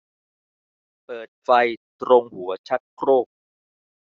เปิดไฟตรงหัวชักโครก